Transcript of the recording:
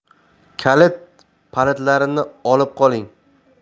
kalit palitlarini olib qoling